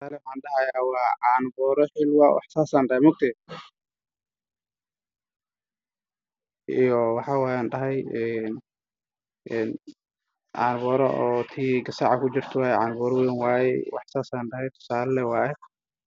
Waa sawir xayeysiis waxaa ii muuqda gasac caano ku jiraan oo cadaan